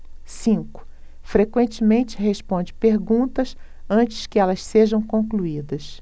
cinco frequentemente responde perguntas antes que elas sejam concluídas